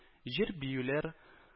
Җер-биюләр